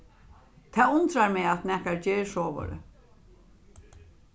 tað undrar meg at nakar ger sovorðið